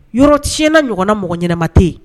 Yɔrɔsina ɲɔgɔnna mɔgɔ ɲɛnaɛnɛma tɛ